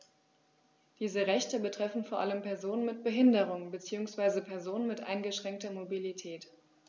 Diese Rechte betreffen vor allem Personen mit Behinderung beziehungsweise Personen mit eingeschränkter Mobilität.